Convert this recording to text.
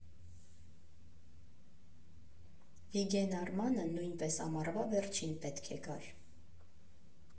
Վիգեն Արմանը նույնպես ամառվա վերջին պետք է գար։